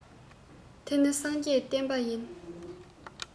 འདི ནི སངས རྒྱས བསྟན པ ཡིན